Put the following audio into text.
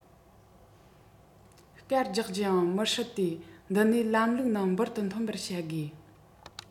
སྐར རྒྱག རྒྱུ ཡང མི སྲིད དེ འདི ནས ལམ ལུགས ནང འབུར དུ ཐོན པར བྱ དགོས